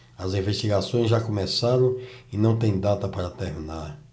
as investigações já começaram e não têm data para terminar